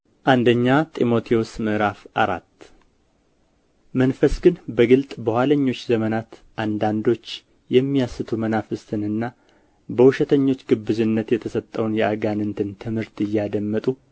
አንደኛ ጢሞቴዎስ ምዕራፍ አራት መንፈስ ግን በግልጥ በኋለኞች ዘመናት አንዳንዶች የሚያስቱ መናፍስትንና በውሸተኞች ግብዝነት የተሰጠውን የአጋንንትን ትምህርት እያደመጡ